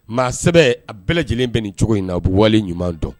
Maa sɛ a bɛɛ lajɛlen bɛ ni cogo in na a u bɛ wale ɲuman dɔn